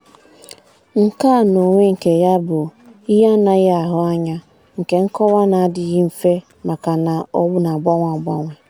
Nkà n'onwe nke ya bụ̀, ihe anaghị ahụ anya, nke nkọwa na-adịghị mfè maka na ọ na-agbanwe agbanwe.